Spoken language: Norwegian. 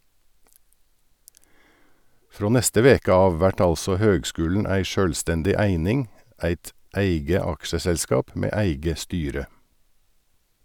Frå neste veke av vert altså høgskulen ei sjølvstendig eining , eit eige aksjeselskap med eige styre.